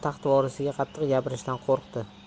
taxt vorisiga qattiq gapirishdan qo'rqdi